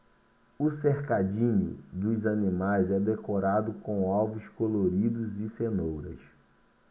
o cercadinho dos animais é decorado com ovos coloridos e cenouras